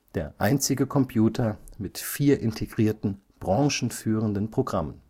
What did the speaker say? Der einzige Computer mit vier integrierten branchenführenden Programmen